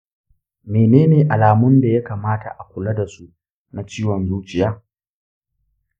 menene alamun da ya kamata a kula da su na ciwon zuciya?